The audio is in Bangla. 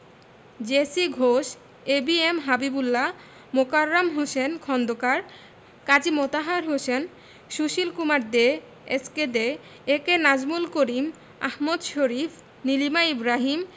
J C Ghosh A B M Habibullah Mokarram Hossain Khondokar Kazi Motahar Hossain Sushil Kumar De S K De A K Nazmul Karim Ahmed Sharif Nilima Ibrahim